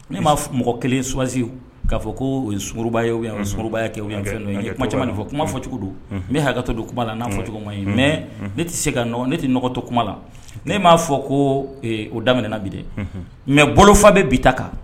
Ne m'a mɔgɔ kelen swasi'a fɔ ko sumaworoba ye yan sumaworoya kɛ yan kuma caman fɔ kuma fɔcogo don n bɛ hakɛtɔ don kuma la n'a fɔcogo ye mɛ ne tɛ se ka ne tɛ nɔgɔtɔ kuma la ne m'a fɔ ko o daminɛna bi mɛ bolo fa bɛ bi ta kan